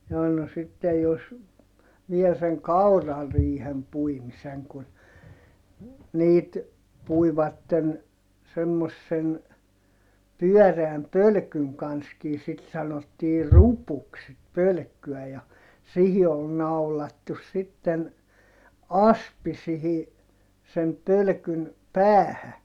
jaa no sitten jos vielä sen kaurariihen puimisen kun niitä puivat semmoisen pyöreän pölkyn kanssakin sitten sanottiin rupuksi sitten pölkkyä ja siihen oli naulattu sitten aspi siihen sen pölkyn päähän